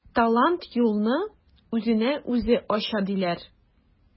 Талант юлны үзенә үзе ача диләр.